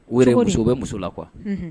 U wɛrɛ oso bɛ muso la qu